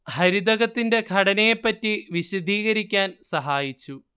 ഹരിതകത്തിന്റെ ഘടനയെ പറ്റി വിശദീകരിക്കാൻ സഹായിച്ചു